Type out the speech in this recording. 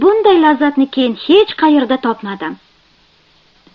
bunday lazzatni keyin hech qaerda topmadim